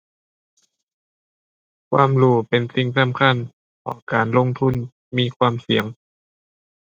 ความรู้เป็นสิ่งสำคัญ เพราะการลงทุนมีความเสี่ยง